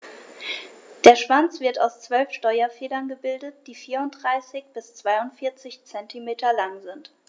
Der Schwanz wird aus 12 Steuerfedern gebildet, die 34 bis 42 cm lang sind.